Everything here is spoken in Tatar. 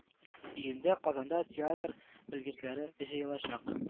Июньдә Казанда театр белгечләре җыелачак